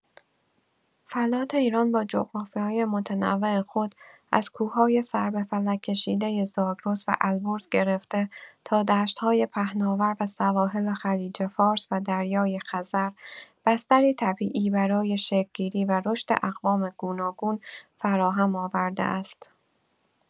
فلات ایران با جغرافیای متنوع خود، از کوه‌های سربه‌فلک‌کشیده زاگرس و البرز گرفته تا دشت‌های پهناور و سواحل خلیج‌فارس و دریای‌خزر، بستری طبیعی برای شکل‌گیری و رشد اقوام گوناگون فراهم آورده است.